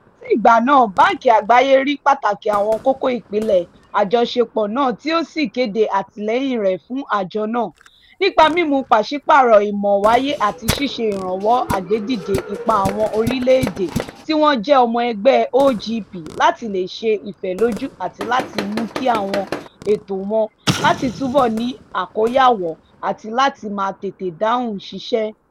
Kò pẹ́ sí ìgbà náà, Báǹkì Àgbáyé rí pàtàkì àwọn kókó ìpìlẹ̀ Àjọṣepọ̀ náà tí ó sì kéde àtìlẹ́yìn rẹ̀ fún àjọ náà "nípa mímú pàsípààrọ̀ ìmọ̀ wáyé àti ṣíṣe ìrànwọ́ àgbédìde ipá àwọn orílẹ̀-èdè tí wọ́n jẹ́ ọmọ-ẹgbẹ́ OGP láti lè ṣe ìfẹ̀lójú àti láti mú kí àwọn ètò wọn láti túbọ̀ ní àkóyawọ́ àti láti máa tètè dáhùn ṣiṣẹ́."